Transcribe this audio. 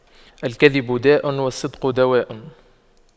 الكذب داء والصدق دواء